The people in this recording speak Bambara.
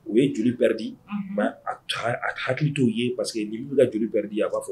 U ye joli bere di ma a a hakili t' ye paseke ye''u ka joli bere di a b'a fɔ